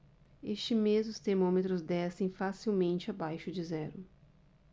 este mês os termômetros descem facilmente abaixo de zero